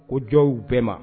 Ko jɔnw bɛɛ ma